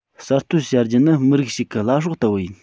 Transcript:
གསར གཏོད བྱ རྒྱུ ནི མི རིགས ཤིག གི བླ སྲོག ལྟ བུ ཡིན